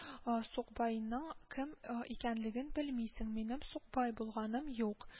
Ы сукбайның кем икәнлеген белмисең... минем сукбай булганым юк